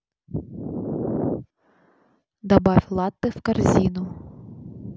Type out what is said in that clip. добавь латте в корзину